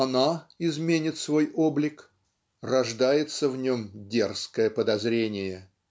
Она изменит свой облик - рождается в нем "дерзкое подозрение"